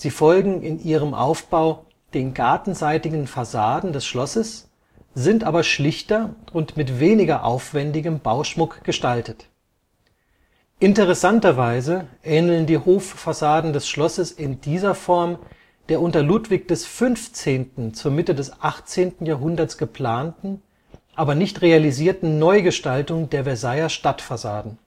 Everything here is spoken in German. folgen in ihrem Aufbau den gartenseitigen Fassaden des Schlosses, sind aber schlichter und mit weniger aufwändigem Bauschmuck gestaltet. Interessanterweise ähneln die Hoffassaden des Schlosses in dieser Form der unter Ludwig XV. zur Mitte des 18. Jahrhunderts geplanten, aber nicht realisierten Neugestaltung der Versailler Stadtfassaden